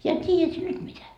ja tiedät sinä nyt mitä